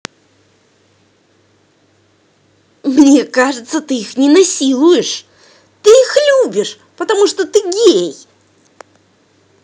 мне кажется ты их не насилуешь ты их любишь потому что ты гей